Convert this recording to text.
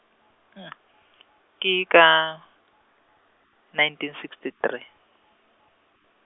ke ka, nineteen sixty three.